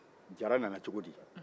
jaraya nana cogo di